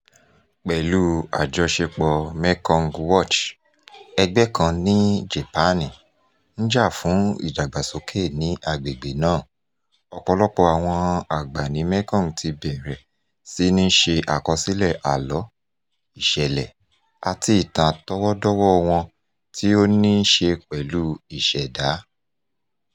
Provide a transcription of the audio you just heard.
Pẹ̀lú àjọṣepọ̀ Mekong Watch, ẹgbẹ́ kan ní Jápáànì ń jà fún ìdàgbàsókè ní agbègbè náà, ọ̀pọ̀lọpọ̀ àwọn àgbà ní Mekong ti bẹ̀rẹ̀ sí ní ṣe àkọsílẹ̀ àlọ́, ìṣẹ̀lẹ̀ àti ìtàn àtọwọ́dọ́wọ́ọ wọn tí ó ní íṣe pẹ̀lú ìṣẹ̀dá.